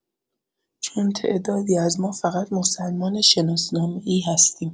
چون تعدادی از ما فقط مسلمان شناسنامه‌ای هستیم